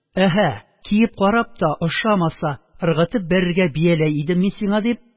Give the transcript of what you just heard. «әһә, киеп карап та, ошамаса ыргытып бәрергә бияләй идем мин сиңа, – дип,